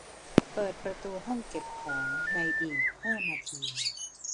เปิดประตูห้องเก็บของในอีกห้านาที